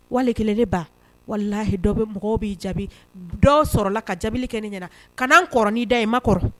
Wali kelen ne baa walaahi dɔ bɛ mɔgɔw b'i jaabi dɔɔ sɔrɔla ka jabili kɛ ne ɲɛna kana un kɔrɔ n'i da ye ma kɔrɔ